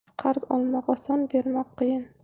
qarz olmoq oson bermoq qiyin